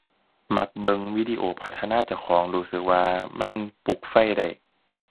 มักเบิ่งวิดีโอพัฒนาเจ้าของ รู้สึกว่ามันปลุกไฟได้